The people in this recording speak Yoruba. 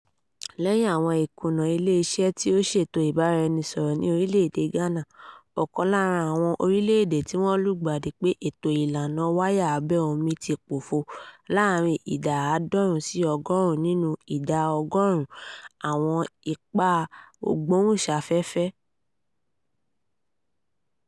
Lẹ́yìn àwọn ìkùnà, ilé iṣẹ́ tí ó ṣètò ìbáraẹnisọ̀rọ̀ ní orílẹ̀ èdè Ghana, ọ̀kan lára àwọn orílẹ̀ èdè tí wọ́n lùgbàdì, pé ètò ìlànà wáyà abẹ́ omi ti pòfo láàárín ìdá 90 sí 100 nínú ìdá ọgọ́rùn-ún àwọn ipá ìgbóhùnsáfẹ́fẹ́.